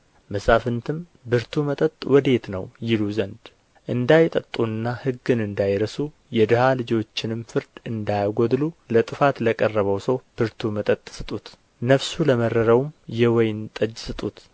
መሳፍንትም ብርቱ መጠጥ ወዴት ነው ይሉ ዘንድ እንዳይጠጡና ሕግን እንዳይረሱ የድሀ ልጆችንም ፍርድ እንዳያጐድሉ ለጥፋት ለቀረበው ሰው ብርቱ መጠጥ ስጡት ነፍሱ ለመረረውም የወይን ጠጅ ስጡት